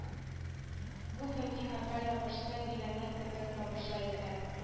Бу фатихәттәй ябышса тигәнәк кебек ябыша икән